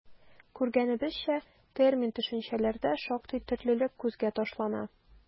Күргәнебезчә, термин-төшенчәләрдә шактый төрлелек күзгә ташлана.